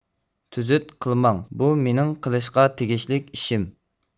تۈزۈت قىلماڭ بۇ مېنىڭ قىلىشقا تېگىشلىك ئىشىم